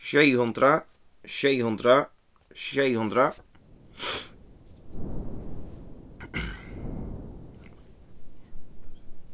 sjey hundrað sjey hundrað sjey hundrað